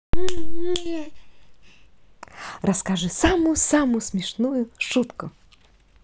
расскажи самую самую смешную шутку